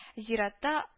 Зиратта